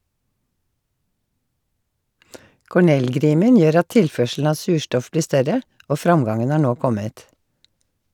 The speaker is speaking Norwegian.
Cornell-grimen gjør at tilførselen av surstoff blir større og framgangen har nå kommet.